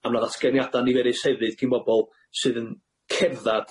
A ma' 'na ddatganiada' niferus hefyd gin bobol sydd yn cerddad